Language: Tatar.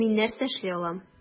Мин нәрсә эшли алам?